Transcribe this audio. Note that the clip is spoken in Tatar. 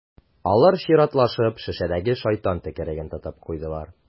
Алар чиратлашып шешәдәге «шайтан төкереге»н йотып куйдылар.